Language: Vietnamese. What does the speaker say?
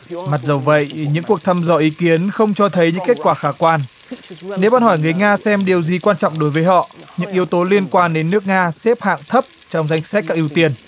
mặc dầu vậy những cuộc thăm dò ý kiến không cho thấy những kết quả khả quan nếu bạn hỏi người nga xem điều gì quan trọng đối với họ những yếu tố liên quan đến nước nga xếp hạng thấp trong danh sách các ưu tiên